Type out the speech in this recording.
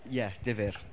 Ie difyr.